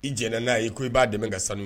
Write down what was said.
I diyɛna n'a ye i ko i b'a dɛmɛ ka sanu